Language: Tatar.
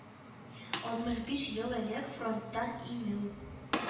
Алтмыш биш ел элек фронттан иңү